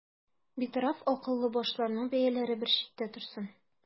Битараф акыллы башларның бәяләре бер читтә торсын.